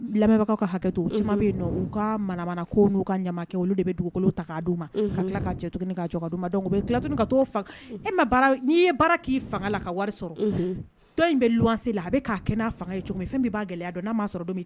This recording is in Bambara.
Bilabagawkaw ka hakɛ nɔn u ka maramana ko n'u ka ɲakɛ olu de bɛ dugukolo ta k'a d ma ka tila cɛ ma dɔn tilala ka t' e ma'i ye baara k'i fanga la ka wari sɔrɔ dɔn in bɛ si la a bɛ' kɛ n'a fanga ye cogo min fɛn b' gɛlɛya dɔn n'a'a sɔrɔ don min